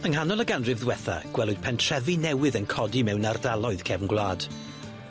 Yng nghanol y ganrif ddwetha, gwelwyd pentrefi newydd yn codi mewn ardaloedd cefyn gwlad.